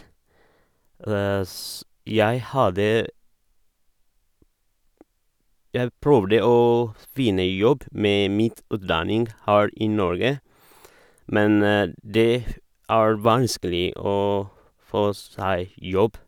s jeg hadde Jeg prøvde å finne jobb med mitt utdanning her i Norge, men det er vanskelig å få seg jobb.